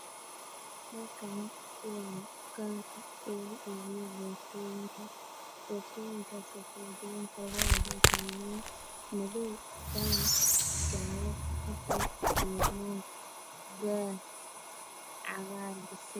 Halkaan waa dukaanka lagu iibiyo boorsooyinka boorsooyinkaas oo kala duwan kalanadooda kala yihiin madow haddaan jaalle buluugmaar qaxwi beer cagaar besali